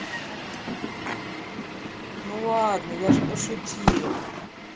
ну ладно я же пошутил